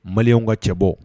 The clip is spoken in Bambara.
Mali ka cɛ bɔ